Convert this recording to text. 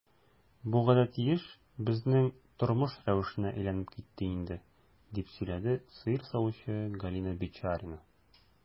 Бу гадәти эш, безнең тормыш рәвешенә әйләнеп китте инде, - дип сөйләде сыер савучы Галина Бичарина.